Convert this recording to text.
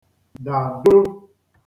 dado